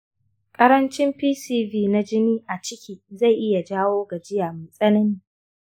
ƙarancin pcv na jini a ciki zai iya jawo gajiya mai tsanani